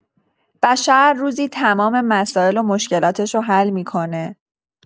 بشر روزی تمام مسائل و مشکلاتشو حل می‌کنه